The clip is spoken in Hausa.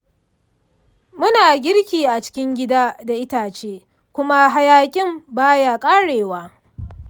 muna girki a cikin gida da itace, kuma hayaƙin baya ƙarewa.